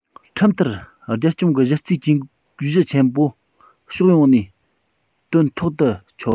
ཁྲིམས ལྟར རྒྱལ སྐྱོང གི གཞི རྩའི ཇུས གཞི ཆེན མོ ཕྱོགས ཡོངས ནས དོན ཐོག ཏུ འཁྱོལ བ